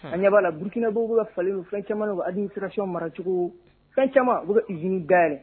A ɲɛ b'a Burukinabe bɛ ka falen kɛ fɛn caman na u ka administration maracogo fɛn caman u bɛ ka usine da